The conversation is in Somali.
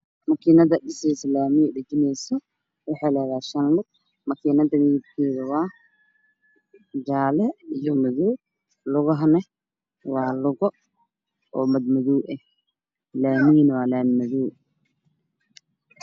Waa makiinad midabkeedu yahay jaalo laami ayay sameyneysaa nin askari ayaa xagga ka taagan nin askari ayaa xagga ka taagan